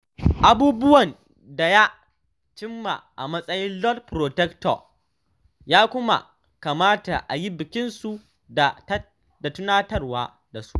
Abubuwan da ya cimma a matsayin Lord Protector ya kuma kamata a yi bikinsu da tunawa da su.”